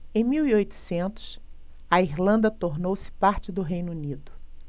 em mil e oitocentos a irlanda tornou-se parte do reino unido